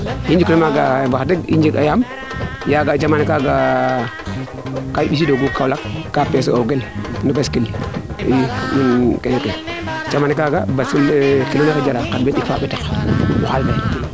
i njika maaga wax deg i njeg a maan yaaga jamano kaaga ka i mbisi doogu Kaolack ka peese o gel no bes tending kene ke ande kaaga basine oxey jara xarɓeen ɗik fo xa mbetak no xaal ne